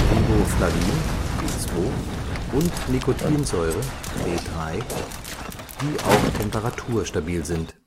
Riboflavin (B2) und Nicotinsäure (B3), die auch temperaturstabil sind